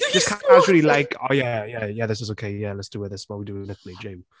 Just casually, like, oh yeah, yeah, yeah, this is okay. Let's do this. This is what we do in the gym.